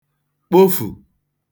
kpofù